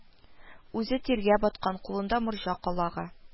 Үзе тиргә баткан, кулында морҗа калагы